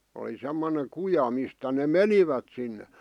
oli semmoinen kuja mistä ne menivät sinne